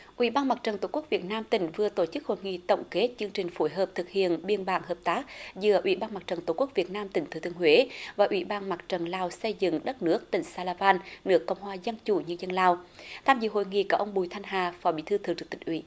ủy ban mặt trận tổ quốc việt nam tỉnh vừa tổ chức hội nghị tổng kết chương trình phối hợp thực hiện biên bản hợp tác giữa ủy ban mặt trận tổ quốc việt nam tỉnh thừa thiên huế và ủy ban mặt trận lào xây dựng đất nước tỉnh sa la van nước cộng hòa dân chủ nhân dân lào tham dự hội nghị có ông bùi thanh hà phó bí thư thường trực tỉnh ủy